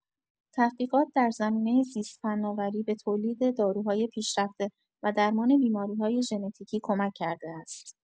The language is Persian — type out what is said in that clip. تحقیقات در زمینه زیست‌فناوری به تولید داروهای پیشرفته و درمان بیماری‌های ژنتیکی کمک کرده است.